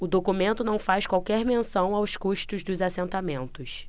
o documento não faz qualquer menção aos custos dos assentamentos